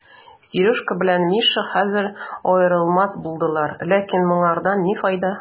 Сережка белән Миша хәзер аерылмас булдылар, ләкин моңардан ни файда?